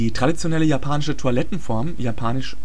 traditionelle japanische Toilettenform (japanisch